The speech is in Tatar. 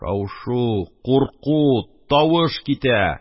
Шау-шу, курку, тавыш китә.